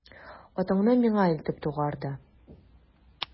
Атыңны миңа илтеп тугар да...